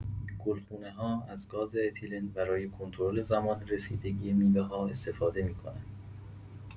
گل‌خونه‌ها از گاز اتیلن برای کنترل زمان رسیدگی میوه‌ها استفاده می‌کنن.